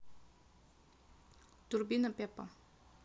турбина пеппа